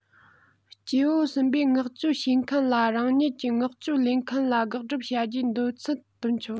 སྐྱེ བོ གསུམ པས མངགས བཅོལ བྱེད མཁན ལ རང ཉིད ཀྱིས མངགས བཅོལ ལེན མཁན ལ དགག སྒྲུབ བྱ རྒྱུའི འདོད ཚུལ བཏོན ཆོག